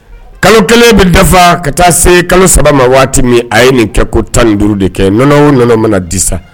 Kalo kelen bɛ dafa ka taa se kalo saba ma waati min a ye nin kɛko tan ni duuru de kɛ nɔnɔ o nɔnɔ mana di sa